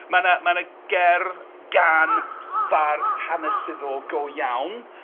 Mae 'na... mae 'na gerdd gan fardd hanesyddol go iawn...